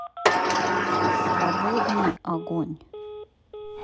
свободный огонь